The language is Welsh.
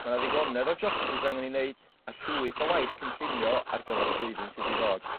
Ma' 'na ddigonedd o jopsys angen 'i neud a llwyth o waith cynllunio ar gyfer y flwyddyn sydd i ddod.